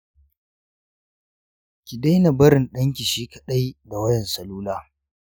ki daina barin danki shi kadai da wayan salula.